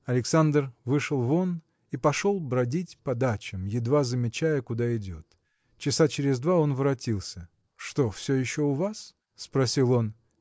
Александр вышел вон и пошел бродить по дачам едва замечая куда идет. Часа через два он воротился. – Что, все еще у вас? – спросил он.